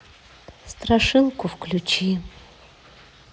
страшилку включи